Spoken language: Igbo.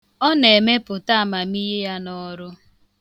Ọ na-emepụta amamihe ya n' ọrụ.